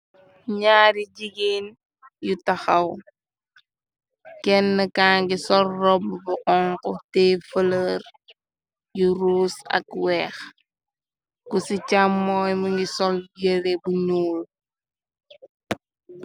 Naari jigeen yu taxaw. kenn kangi sor robb bu xonxu te fëlër yu rous ak weex. Gu ci cha mooy mu ngi sol yere bu ñuul.